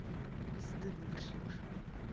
бесстыдно врешь